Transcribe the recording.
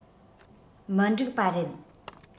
མི འགྲིག པ རེད